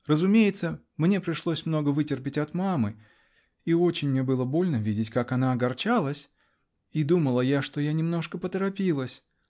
Разумеется, мне пришлось много вытерпеть от мамы, и очень мне было больно видеть, как она огорчалась, -- и думала я, что я немножко поторопилась